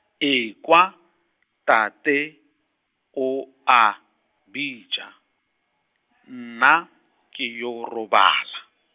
ekwa, tate, o a, bitša, nna, ke yo robala.